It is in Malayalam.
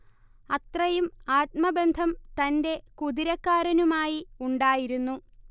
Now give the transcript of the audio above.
അത്രയും ആത്മബന്ധം തന്റെ കുതിരക്കാരനുമായി ഉണ്ടായിരുന്നു